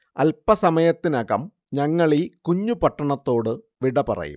അൽപസമയത്തിനകം ഞങ്ങളീ കുഞ്ഞു പട്ടണത്തോടു വിട പറയും